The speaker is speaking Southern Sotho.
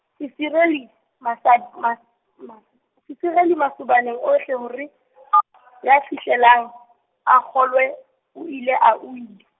se sirele, masa, ma-, mas-, ma sirele masobana ohle hore , ya fihlelang, a kgolwe, o ile a o ile.